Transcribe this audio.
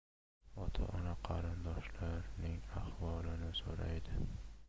ota ona qarindoshlarning ahvolini so'raydi